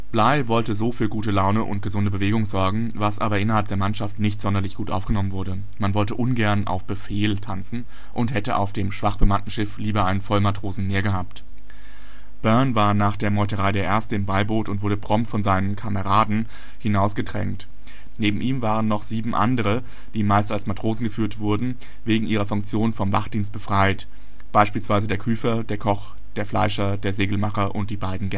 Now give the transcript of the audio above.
Bligh wollte so für gute Laune und gesunde Bewegung sorgen, was aber innerhalb der Mannschaft nicht sonderlich gut aufgenommen wurde: Man wollte ungern „ auf Befehl “tanzen und hätte auf dem schwach bemannten Schiff lieber einen Vollmatrosen mehr gehabt. Byrn war nach der Meuterei der erste im Beiboot und wurde prompt von seinen „ Kameraden “hinausgedrängt. Neben ihm waren noch sieben andere, die meist als Matrosen geführt wurden, wegen ihrer Funktionen vom Wachdienst befreit, beispielsweise der Küfer, der Koch, der Fleischer, der Segelmacher und die beiden